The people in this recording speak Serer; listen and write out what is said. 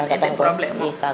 kaga yit probleme o